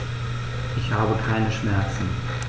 Ich habe keine Schmerzen.